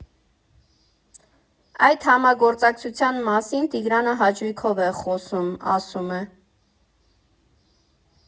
Այդ համագործակցության մասին Տիգրանը հաճույքով է խոսում, ասում է.